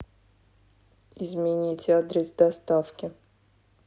изменить адрес доставки